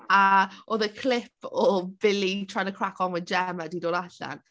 a oedd y clip o Billy trying to crack on with Gemma 'di dod allan...